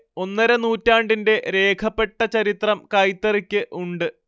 ഒന്നര നൂറ്റാണ്ടിന്റെ രേഖപ്പെട്ട ചരിത്രം കൈത്തറിക്ക് ഉണ്ട്